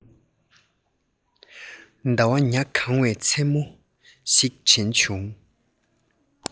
ཟླ བ ཉ གང བའི མཚན མོ ཞིག དྲན བྱུང